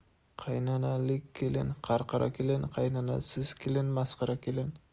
qaynanalik kelin qarqara kelin qaynanasiz kelin masxara kelin